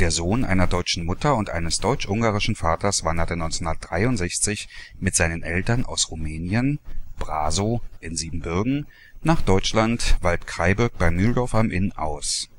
Sohn einer deutschen Mutter und eines deutsch-ungarischen Vaters wanderte 1963 mit seinen Eltern aus Rumänien (Brașov in Siebenbürgen) nach Deutschland (Waldkraiburg bei Mühldorf am Inn) aus